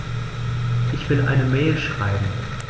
Ich will eine Mail schreiben.